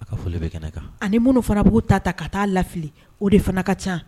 A ka foli bɛ kɛnɛ kan ani ni minnu fana b'o ta ta ka taa a lafifili o de fana ka ca